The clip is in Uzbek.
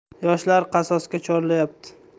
yoshlar qasosga chorlayapti